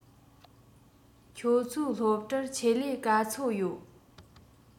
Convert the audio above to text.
ཁྱོད ཚོའི སློབ གྲྭར ཆེད ལས ག ཚོད ཡོད